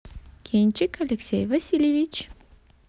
кинчик алексей васильевич